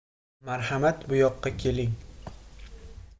marhamat buyoqqa keling